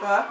waw